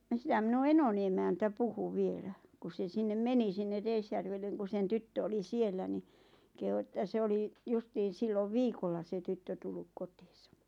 ja sitä minun enoni emäntä puhui vielä kun se sinne meni sinne Reisjärvelle kun sen tyttö oli siellä niin kehui että se oli justiin silloin viikolla se tyttö tullut kotiinsa